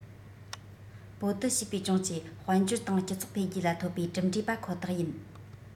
པའོ ཏི ཞེས པའི ལྗོངས ཀྱི དཔལ འབྱོར དང སྤྱི ཚོགས འཕེལ རྒྱས ལ ཐོབ པའི གྲུབ འབྲས པ ཁོ ཐག ཡིན